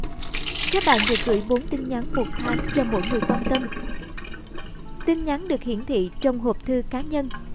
các bạn được gửi tin nhắn tháng cho mỗi người quan tâm tin nhắn được hiển thị trong hộp thư cá nhân tin nhắn được hiển thị trong hộp thư cá nhân